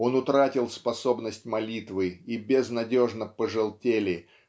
Он утратил способность молитвы и безнадежно пожелтели